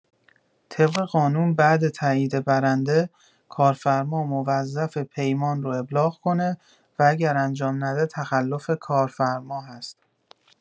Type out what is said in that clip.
طبق قانون بعد تعیین برنده، کارفرما موظفه پیمان رو ابلاغ کنه و اگر انجام نده تخلف کارفرما هست!